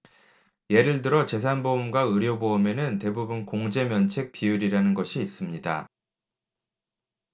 예를 들어 재산 보험과 의료 보험에는 대부분 공제 면책 비율이라는 것이 있습니다